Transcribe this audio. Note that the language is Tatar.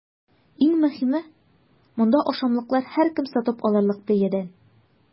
Иң мөһиме – монда ашамлыклар һәркем сатып алырлык бәядән!